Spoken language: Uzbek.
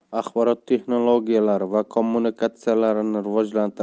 axborot texnologiyalari va kommunikatsiyalarini